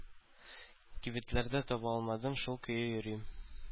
Кибетләрдә таба алмадым, шул көе йөрим.